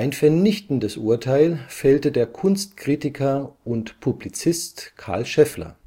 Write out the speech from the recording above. vernichtendes Urteil fällte der Kunstkritiker und Publizist Karl Scheffler